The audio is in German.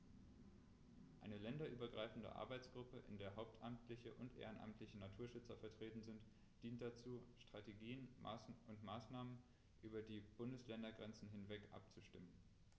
Eine länderübergreifende Arbeitsgruppe, in der hauptamtliche und ehrenamtliche Naturschützer vertreten sind, dient dazu, Strategien und Maßnahmen über die Bundesländergrenzen hinweg abzustimmen.